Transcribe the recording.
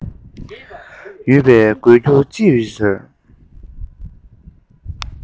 ཡོད པས དགོད རྒྱུ ཅི ཡོད ཟེར